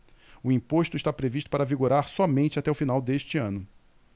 o imposto está previsto para vigorar somente até o final deste ano